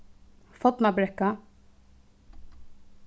fornabrekka